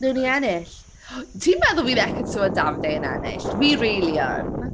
Wnawn ni ennill. Ti'n meddwl bydd Ekin Su a Davide yn ennill? Fi really yn.